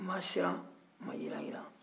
u ma siran u ma yiranyiran